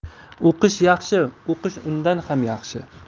o'qish yaxshi uqish undan ham yaxshi